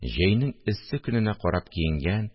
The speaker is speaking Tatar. Җәйнең эссе көненә карап киенгән